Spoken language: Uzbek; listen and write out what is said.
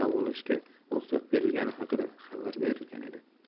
davolashga ruxsat berilgani haqida xabar berilgan edi